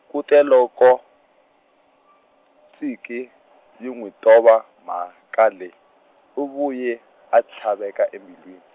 kute loko , Tsinkie, yi n'wi tova mhaka leyi, u vuye, a tlhaveka embilwin-.